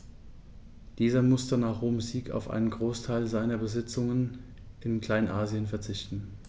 Dieser musste nach Roms Sieg auf einen Großteil seiner Besitzungen in Kleinasien verzichten.